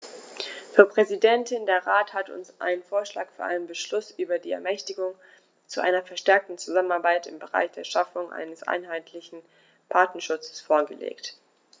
Frau Präsidentin, der Rat hat uns einen Vorschlag für einen Beschluss über die Ermächtigung zu einer verstärkten Zusammenarbeit im Bereich der Schaffung eines einheitlichen Patentschutzes vorgelegt.